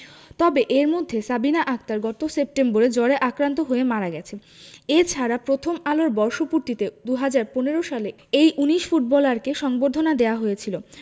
তবে এর মধ্যে সাবিনা আক্তার গত সেপ্টেম্বরে জ্বরে আক্রান্ত হয়ে মারা গেছে এ ছাড়া প্রথম আলোর বর্ষপূর্তিতে ২০১৫ সালে এই ১৯ ফুটবলারকে সংবর্ধনা দেয়া হয়েছিল